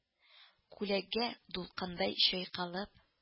Күләгә дулкындай чайкалып